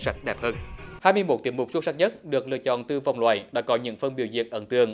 sạch đẹp hơn hai mươi mốt tiết mục xuất sắc nhất được lựa chọn từ vòng loại đã có những phần biểu diễn ấn tượng